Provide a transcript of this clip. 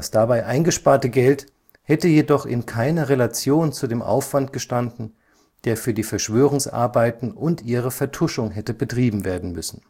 dabei eingesparte Geld hätte jedoch in keiner Relation zu dem Aufwand gestanden, der für die Verschwörungsarbeiten und ihre Vertuschung hätte betrieben werden müssen